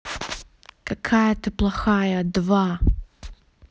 какая ты плохая два